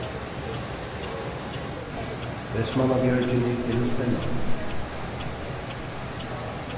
vestmannabjørgini eru spennandi